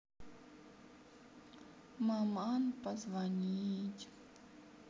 маман позвонить